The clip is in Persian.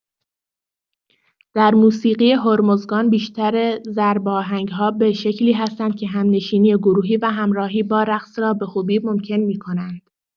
در موسیقی هرمزگان بیشتر ضرب‌آهنگ‌ها به شکلی هستند که هم‌نشینی گروهی و همراهی با رقص را به‌خوبی ممکن می‌کنند.